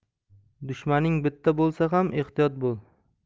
dushmaning bitta bo'lsa ham ehtiyot bo'l